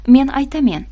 men aytamen